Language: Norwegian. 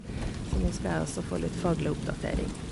Så nå skal jeg altså få litt faglig oppdatering.